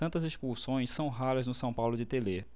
tantas expulsões são raras no são paulo de telê